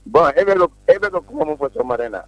Bɔn e e bɛ ka kuma min fɔraren na